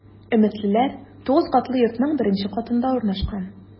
“өметлеләр” 9 катлы йортның беренче катында урнашкан.